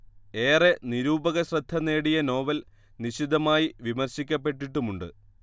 ഏറെ നിരൂപകശ്രദ്ധ നേടിയ നോവൽ നിശിതമായി വിമർശിക്കപ്പെട്ടിട്ടുമുണ്ട്